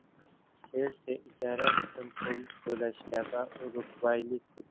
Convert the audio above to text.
chelsi ijara uchun pul to'lashga va urugvaylik